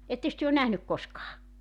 ettekös te ole nähnyt koskaan